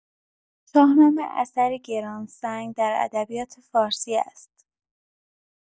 شاهنامه اثری گران‌سنگ در ادبیات فارسی است.